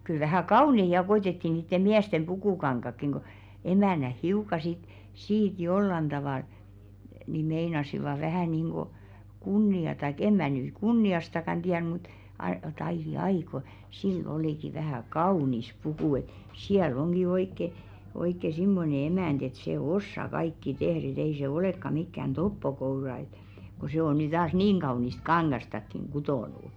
kyllä vähän kauniita ja koetettiin niiden miesten pukukankaatkin kun emännät hiukan sitten siitä jollakin tavalla niin meinasivat vähän niin kuin kunniaa tai en minä nyt kunniastakaan tiedä mutta -- ai ai kun sillä olikin vähän kaunis puku että siellä onkin oikein oikein semmoinen emäntä että se osaa kaikki tehdä että ei se olekaan mikään toppokoura että kun se on nyt taas niin kaunista kangastakin kutonut